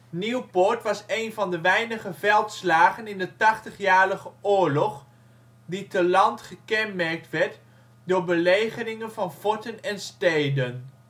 Nieuwpoort ' was een van de weinige veldslagen in de Tachtigjarige Oorlog, die te land gekenmerkt werd door belegeringen van forten en steden